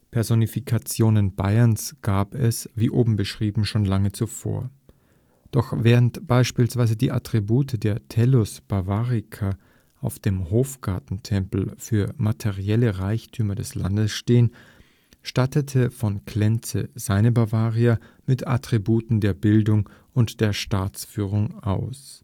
Personifikationen Bayerns gab es, wie oben beschrieben, schon lange zuvor. Doch während beispielsweise die Attribute der Tellus Bavarica auf dem Hofgartentempel für materielle Reichtümer des Landes stehen, stattete v. Klenze seine Bavaria mit Attributen der Bildung und der Staatsführung aus